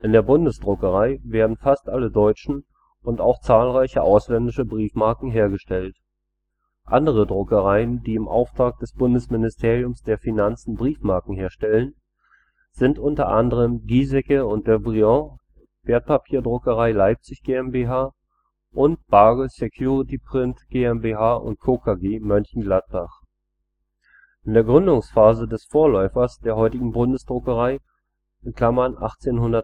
der Bundesdruckerei werden fast alle deutschen und auch zahlreiche ausländische Briefmarken hergestellt. Andere Druckereien, die im Auftrag des Bundesministerium der Finanzen Briefmarken herstellen, sind unter anderem Giesecke & Devrient Wertpapierdruckerei Leipzig GmbH und Bagel Security-Print GmbH & Co. KG Mönchengladbach. In der Gründungsphase des Vorläufers der heutigen Bundesdruckerei (1879